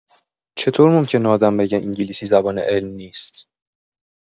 چطور ممکنه آدم بگه انگلیسی‌زبان علم نیست؟